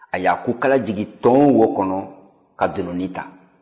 a y'a kukala jigin nton wo kɔnɔ ka dununnin ta